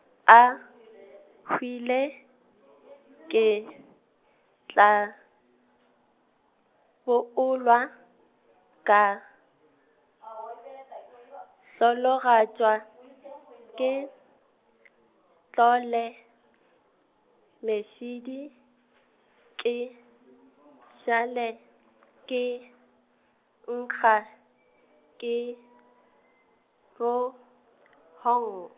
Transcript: a , hwile , ke, tla, boolwa, ka, hlologatšwa, ke, tlole, mešidi , ke , šale, ke, nkga , ke, ro-, hong.